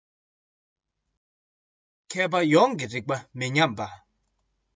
མཁས པ ཡོངས ཀྱི རིག པ མི ཉམས པ